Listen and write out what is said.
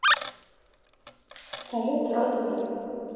салют розовый